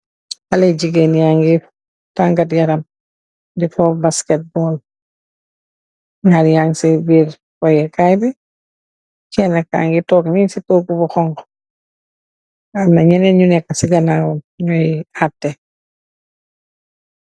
Haleh jigeen yageh tagat yaram de fox basketball haleh yan si birr foyeh kay bi kena kagi tog nee si togu bu xonxa am na nyenen yu neka si kanawam nyoi ateh.